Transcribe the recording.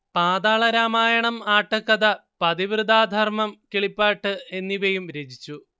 പാതാളരാമായണം ആട്ടക്കഥ പതിവ്രതാധർമം കിളിപ്പാട്ട് എന്നിവയും രചിച്ചു